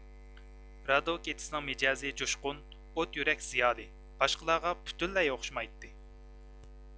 رادوكېتسنىڭ مىجەزى جۇشقۇن ئوت يۈرەك زىيالىي باشقىلارغا پۈتۈنلەي ئوخشىمايتتى